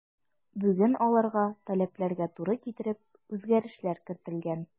Бүген аларга таләпләргә туры китереп үзгәрешләр кертелгән.